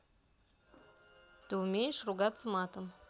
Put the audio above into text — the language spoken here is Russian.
ты умеешь ругаться матом